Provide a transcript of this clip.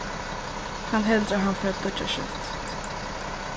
hann heldur at hann fer at doyggja skjótt